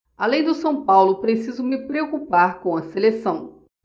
além do são paulo preciso me preocupar com a seleção